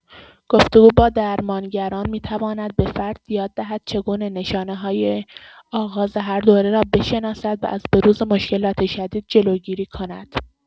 گفت‌وگو با درمانگران می‌تواند به فرد یاد دهد چگونه نشانه‌های آغاز هر دوره را بشناسد و از بروز مشکلات شدید جلوگیری کند.